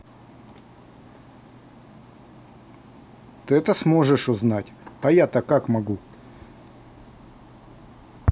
ты это сможешь узнать а я то как могу